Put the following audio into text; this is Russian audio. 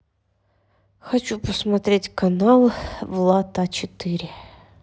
хочу посмотреть канал влад а четыре